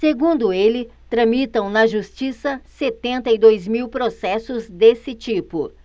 segundo ele tramitam na justiça setenta e dois mil processos desse tipo